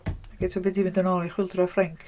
Ac eto pan ti'n mynd yn ôl i'r Chwyldro Ffrainc...